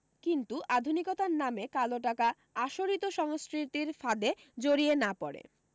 কিন্তু আধুনিকতার নামে কালো টাকা আশরিত সংস্কৃতির ফাঁদে জড়িয়ে না পড়ে